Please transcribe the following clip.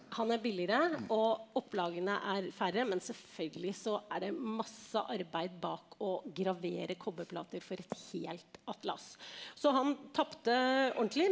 han er billigere og opplagene er færre, men selvfølgelig så er det masse arbeid bak å gravere kobberplater for et helt atlas så han tapte ordentlig.